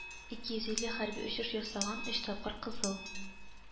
Ике йөз илле хәрби очыш ясаган, өч тапкыр кызыл